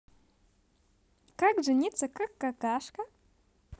как женить как какашка